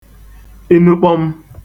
inukpọm